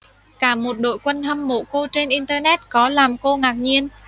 cả một đội quân hâm mộ cô trên internet có làm cô ngạc nhiên